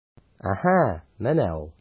Әһә, менә ул...